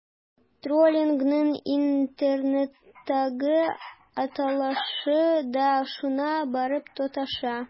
Троллингның интернеттагы аталышы да шуңа барып тоташа.